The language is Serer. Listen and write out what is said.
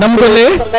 nam gon le